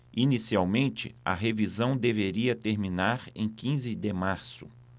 inicialmente a revisão deveria terminar em quinze de março